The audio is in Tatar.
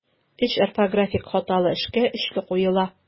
Өч орфографик хаталы эшкә өчле куела.